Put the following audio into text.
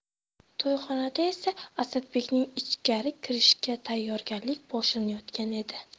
to'yxonada esa asadbekning ichkari kirishiga tayyorgarlik boshlanayotgan edi